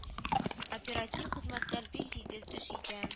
Оператив хезмәтләр бик җитез эш итә